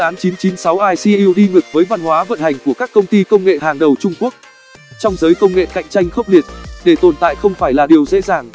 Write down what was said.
dự án icu đi ngược với văn hóa vận hành của các công ty công nghệ hàng đầu trung quốc trong giới công nghệ cạnh tranh khốc liệt để tồn tại không phải là điều dễ dàng